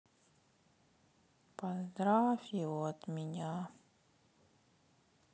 поздравь его от меня